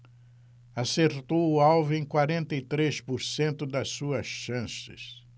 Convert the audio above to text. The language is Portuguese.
acertou o alvo em quarenta e três por cento das suas chances